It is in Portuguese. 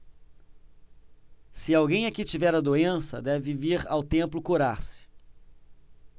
se alguém aqui tiver a doença deve vir ao templo curar-se